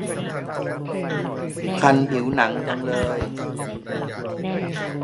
คันผิวหนังจังเลย